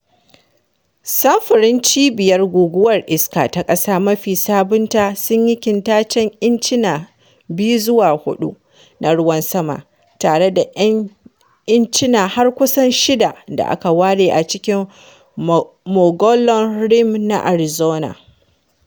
Samfurorin Cibiyar Guguwar Iska ta Ƙasa mafi sabunta sun yi kintacen incina 2 zuwa 4 na ruwan sama, tare da ‘yan incina har kusan 6 da aka ware a cikin Mogollon Rim na Arizona.